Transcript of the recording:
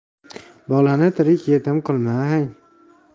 bolani tirik yetim qilmang